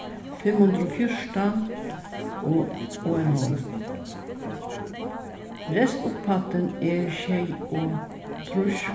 fimm hundrað og fjúrtan og og ein hálv restupphæddin er sjeyogtrýss